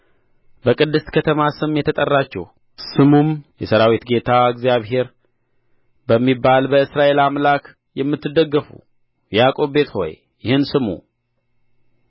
በቅድስት ከተማ ስም የተጠራችሁ ስሙም የሠራዊት ጌታ እግዚአብሔር በሚባል በእስራኤል አምላክ የምትደገፉ የያዕቆብ ቤት ሆይ ይህን ስሙ